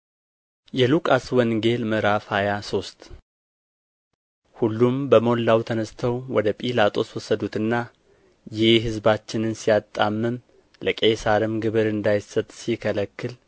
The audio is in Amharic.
የሉቃስ ወንጌል ምዕራፍ ሃያ ሶስት ሁሉም በሞላው ተነሥተው ወደ ጲላጦስ ወሰዱትና ይህ ሕዝባችንን ሲያጣምም ለቄሣርም ግብር እንዳይሰጥ ሲከለክል